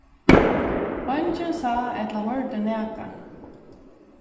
eingin sá ella hoyrdi nakað